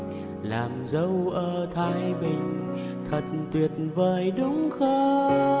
làm dâu ở thái bình thật tuyệt vời đúng không